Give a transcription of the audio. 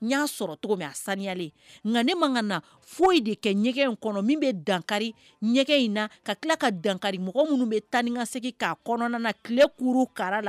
N y'a sɔrɔ cogo min a saniyalen nka ne man ka na foyi de kɛ ɲɛgɛn in kɔnɔ min bɛ dankari ɲɛ in na ka tila ka dankari mɔgɔ minnu bɛ tananikase k'a kɔnɔna na tile k kurukara la